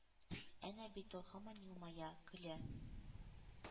Әнә бит ул һаман елмая, көлә,